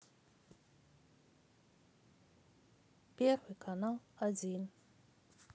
первый канал один